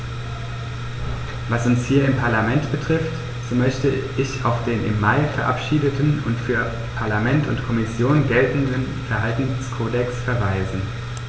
Was uns hier im Parlament betrifft, so möchte ich auf den im Mai verabschiedeten und für Parlament und Kommission geltenden Verhaltenskodex verweisen.